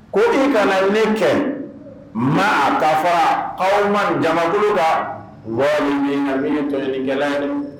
Ko nin kana ye kɛ maa a dafa fɔ aw ɲuman jamakolo la mɔgɔ bɛ ka min tokɛla